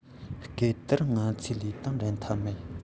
སྐབས དེར ང ཚོ ལས དང འགྲན ཐབས མེད